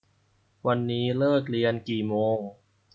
วันนี้เลิกเรียนกี่โมง